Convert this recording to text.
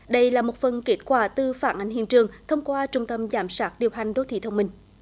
đây là một phần kết quả từ phản ảnh hiện trường thông qua trung tâm giám sát điều hành đô thị thông minh